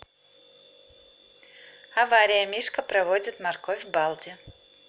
авария мишка проводит морковь балди